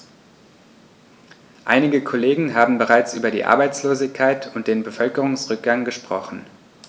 Einige Kollegen haben bereits über die Arbeitslosigkeit und den Bevölkerungsrückgang gesprochen.